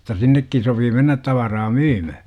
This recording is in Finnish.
jotta sinnekin sopi mennä tavaraa myymään